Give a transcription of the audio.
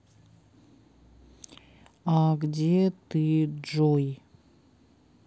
а где ты джой